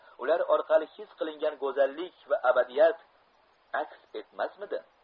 ular orqali his qilingan go'zallik va abadiyat aks etmasmidi